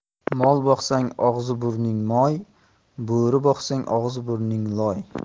mol boqsang og'zi burning moy bo'ri boqsang og'zi burning loy